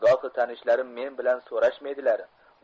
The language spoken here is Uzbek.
gohi tanishlarim men bilan so'rashmaydilar